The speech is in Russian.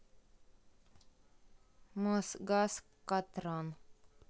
мосгаз катран